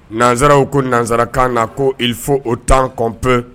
Nanzsaraww ko nanzsarakan na ko fɔ o 1 kɔnp